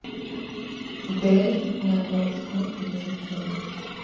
бель на русском языке